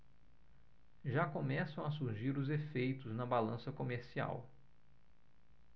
já começam a surgir os efeitos na balança comercial